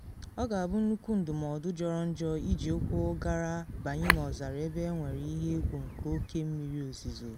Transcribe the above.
Ọ ga-abụ nnukwu ndụmọdụ jọrọ njọ iji ụkwụ gara banye n’ọzara ebe enwere ihe egwu nke oke mmiri ozizo.